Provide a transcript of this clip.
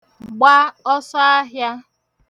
gba ọsọahịā